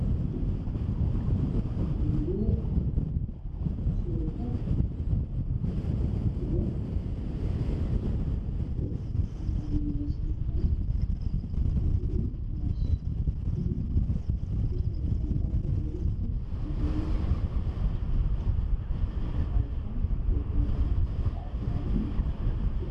Waa gudoomiye shuute iyo gudomiyaashiisi kale oo fadhiyo kuraas waxa ay wataan dharka boloska ee habeenka mid waxa uu wataa ookiyaale waxa agyaalo makroofan